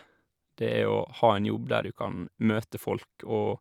Det er å ha en jobb der du kan møte folk og...